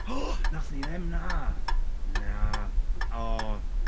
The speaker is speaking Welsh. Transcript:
Wnaethon ni ddim na? Na. O.